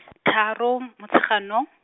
tharo M-, Motsheganong.